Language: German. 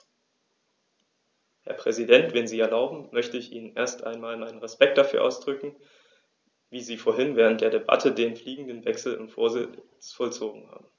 Herr Präsident, wenn Sie erlauben, möchte ich Ihnen erst einmal meinen Respekt dafür ausdrücken, wie Sie vorhin während der Debatte den fliegenden Wechsel im Vorsitz vollzogen haben.